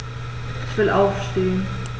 Ich will aufstehen.